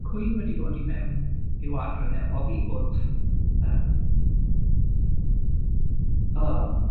cwyn wedi dod i mewn i'w adran e oddi wrth yym, o,